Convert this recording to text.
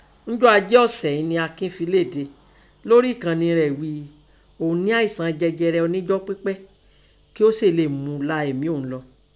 Njọ́ Ajé ọ̀ṣẹ̀ ìín nẹ Akin fi léde lórí ẹ̀kànnì rẹ̀ ghíi òun nẹ́ àẹ̀sàn jẹjẹrẹ ọníjọ́pípẹ́ kí ó sèè leè la èmí un lọ.